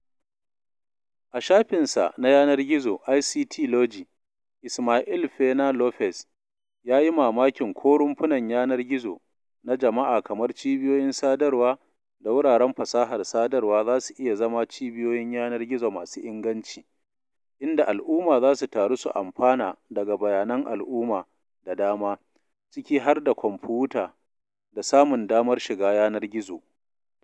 A shafinsa na yanar gizo ICTlogy, Ismael Peña-López yayi mamakin ko rumfunan yanar gizo na jama'a kamar cibiyoyin sadarwa da wuraren fasahar sadarwa za su iya zama cibiyoyin yanar gizo masu inganci, “inda al’umma za su taru su amfana daga bayanan al’umma da dama, ciki har da kwamfuta da samun damar shiga yanar gizo"